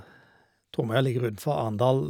Tromøya ligger utenfor Arendal.